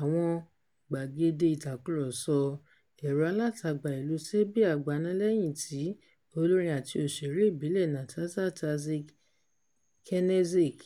Àwọn gbàgede ìtàkùrọ̀sọ ẹ̀rọ-alátagbà ìlú Serbia gbaná lẹ́yìn tí olórin àti òṣèré ìbílẹ̀ Nataša Tasić Knežević,